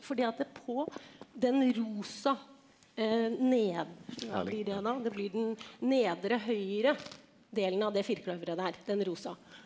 fordi at på den rosa hva blir det da det blir den nedre høyre delen av det firkløveret der den rosa.